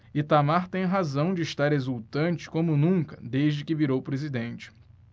itamar tem razão de estar exultante como nunca desde que virou presidente